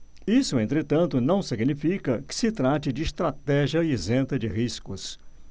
isso entretanto não significa que se trate de estratégia isenta de riscos